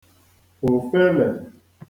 òfelè